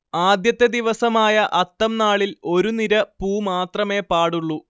ആദ്യത്തെ ദിവസമായ അത്തംനാളിൽ ഒരു നിര പൂ മാത്രമേ പാടുള്ളൂ